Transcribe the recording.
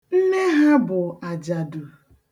Nne ha bụ ajadu.